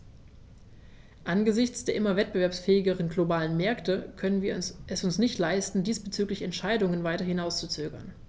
Angesichts der immer wettbewerbsfähigeren globalen Märkte können wir es uns nicht leisten, diesbezügliche Entscheidungen weiter hinauszuzögern.